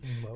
waaw